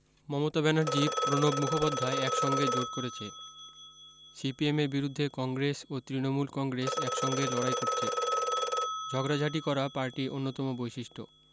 মমতা ব্যানার্জি প্রণব মুখোপাধ্যায় এক সঙ্গে জোট করেছে সিপিএমের বিরুদ্ধে কংগ্রেস ও তৃণমূল কংগ্রেস এক সঙ্গে লড়াই করছে ঝগড়া ঝাটি করা পার্টি অন্যতম বৈশিষ্ট